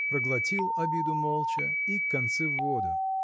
проглотил обиду молча – и концы в воду.